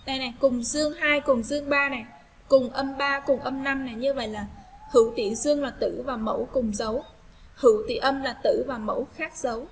tùng dương cùng chương cùng cùng là như vậy hữu tuyển sinh vào tử và mẫu cùng dấu hữu tỉ âm là tử và mẫu khác xấu